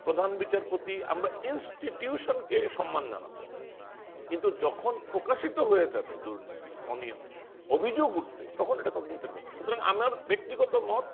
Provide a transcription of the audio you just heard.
প্রধান বিচারপতি আমরা ইন্সটিটিউশন কে সম্মান জানাবো কিন্তু যখন প্রকাশিত হয়ে যাবে দুর্নীতি-অনিয়ম অভিযোগ উঠবে তখন এটা তদন্ত করতে হবে সুতরাং আমার ব্যক্তিগত মত